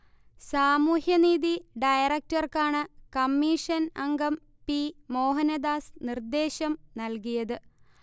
സാമൂഹ്യനീതി ഡയറക്ടർക്കാണ് കമ്മീഷൻ അംഗം പി. മോഹനദാസ് നിർദേശം നൽകിയത്